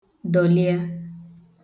dọ̀lịa